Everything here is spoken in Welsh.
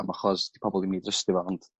am achos 'di pobol ddim i drystio fo ond